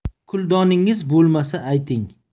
kuldoningiz bo'lmasa ayting